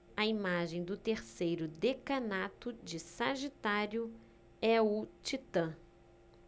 a imagem do terceiro decanato de sagitário é o titã